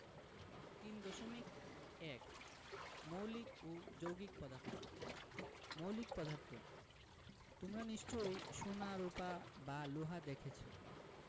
3.1 মৌলিক ও যৌগিক পদার্থঃ মৌলিক পদার্থ তোমরা নিশ্চয় সোনা রুপা বা লোহা দেখেছ